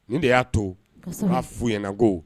Ni de y'a to n b'a fu ɲɛna ko